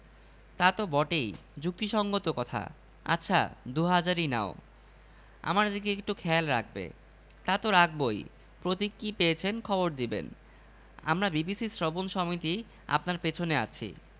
কত অদ্ভুত সংগঠন যে বের হচ্ছে আজ সকালে চাঁদা চাইতে একদল আসল তিনি হাসিমুখে বললেন বাবারা তুমাদের সমিতির নাম কি বিবিসি শ্রবণ সমিতি